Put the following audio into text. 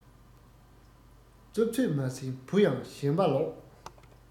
རྩུབ ཚོད མ ཟིན བུ ཡང ཞེན པ ལོག